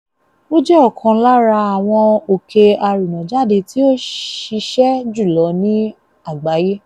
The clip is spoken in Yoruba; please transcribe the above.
Ó jẹ́ ọ̀kan lára àwọn òkè-arúnájáde tí ó ṣiṣẹ́ jùlọ ní àgbáyé.